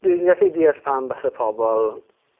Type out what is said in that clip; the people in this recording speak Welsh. dwi'n gallu deall pam basa pobol